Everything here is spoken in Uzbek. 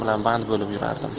bilan band bo'lib yurardim